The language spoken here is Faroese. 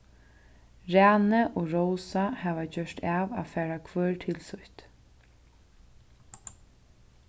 rani og rósa hava gjørt av at fara hvør til sítt